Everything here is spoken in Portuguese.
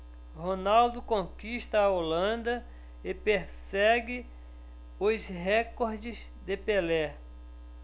ronaldo conquista a holanda e persegue os recordes de pelé